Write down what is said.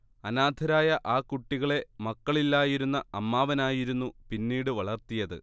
അനാഥരായ ആ കുട്ടികളെ മക്കളില്ലായിരുന്ന അമ്മാവനായിരുന്നു പിന്നീട് വളർത്തിയത്